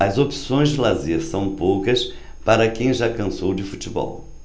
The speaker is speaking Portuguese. as opções de lazer são poucas para quem já cansou de futebol